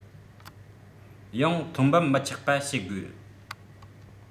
ཡང ཐོན འབབ མི ཆག པ བྱེད དགོས